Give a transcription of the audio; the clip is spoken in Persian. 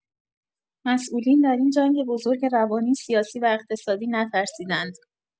مسئولین در این جنگ بزرگ روانی، سیاسی و اقتصادی نترسیدند.